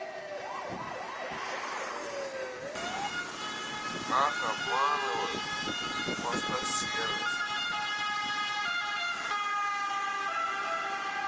как обманывают в автосервисах